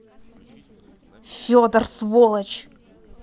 федор сволочь